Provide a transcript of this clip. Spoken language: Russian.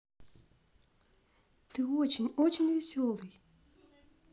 ты очень очень веселый